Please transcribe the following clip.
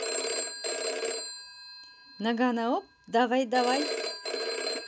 ноггано оп давай давай